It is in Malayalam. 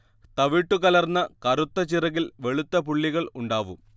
തവിട്ടുകലർന്ന കറുത്ത ചിറകിൽ വെളുത്ത പുള്ളികൾ ഉണ്ടാവും